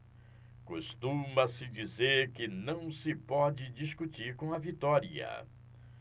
costuma-se dizer que não se pode discutir com a vitória